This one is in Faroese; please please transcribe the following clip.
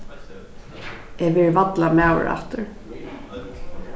eg verði valla maður aftur